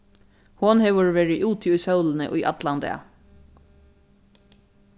hon hevur verið úti í sólini í allan dag